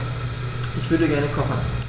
Ich würde gerne kochen.